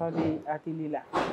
hakili la